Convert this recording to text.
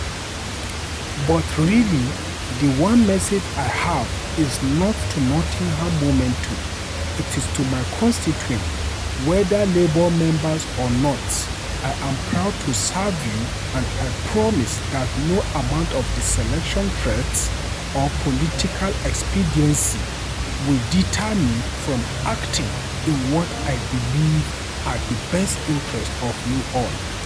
But really the one message I have is not to Nottingham Momentum, it is to my constituents, whether Labour members or not: I am proud to serve you and I promise that no amount of deselection threats or political expediency will deter me from acting in what I believe are the best interests of you all.